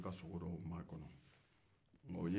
o bɛka sogo dɔw makɔnɔ